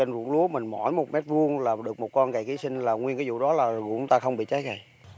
ruộng lúa mình mỗi một mét vuông là được một con rầy ký sinh là nguyên cái vụ đó là ruộng ta không bị cháy rầy